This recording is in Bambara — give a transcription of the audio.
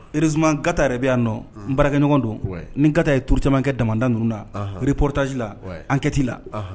Heureusement Gata yɛrɛ bi yan nɔ. N baarakɛ ɲɔgɔn don. N ni Gata yɛrɛ ye tour caman kɛ damada ninnu na reportage la enquête la